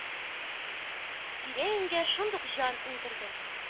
Тирә-юньгә шундук җан иңдерде.